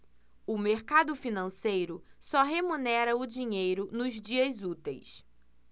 o mercado financeiro só remunera o dinheiro nos dias úteis